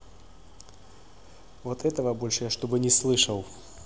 вот этого больше я чтобы не слышал